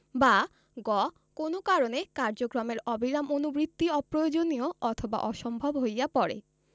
বা গ কোন কারণে কার্যক্রমের অবিরাম অনুবৃত্তি অপ্রয়োজনীয় অথবা অসম্ভব হইয়া পড়ে